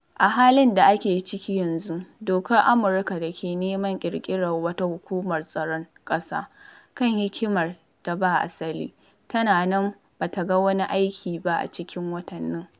A halin da ake ciki yanzu, dokar Amurka da ke neman ƙirƙirar wata Hukumar Tsaron Ƙasa kan Hikimar Da Ba Asali tana nan ba ta ga wani aiki ba a cikin watanni.